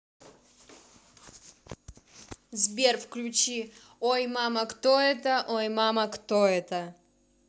сбер включи ой мама кто это ой мама кто это